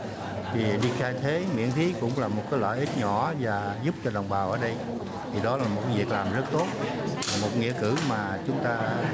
vì đi khai thuế miễn phí cũng là một cái lợi nhỏ và giúp cho đồng bào ở đây thì đó là một việc làm rất tốt một nghĩa cử mà chúng ta